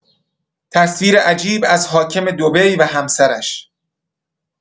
تصویر عجیب از حاکم دبی و همسرش